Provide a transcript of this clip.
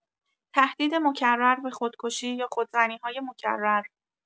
تهدید مکرر به خودکشی یا خودزنی‌های مکرر